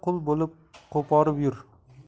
qul bo'lib qo'porib yur